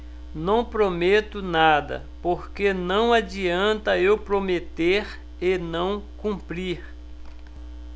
não prometo nada porque não adianta eu prometer e não cumprir